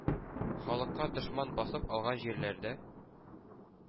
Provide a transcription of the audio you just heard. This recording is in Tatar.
Халыкка дошман басып алган җирләрдә